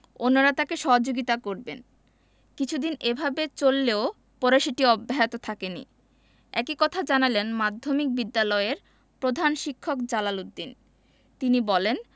অন্যরা তাঁকে সহযোগিতা করবেন কিছুদিন এভাবে চললেও পরে সেটি অব্যাহত থাকেনি একই কথা জানালেন মাধ্যমিক বিদ্যালয়ের প্রধান শিক্ষক জালাল উদ্দিন তিনি বলেন